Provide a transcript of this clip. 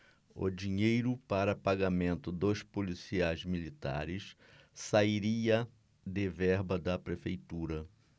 o dinheiro para pagamento dos policiais militares sairia de verba da prefeitura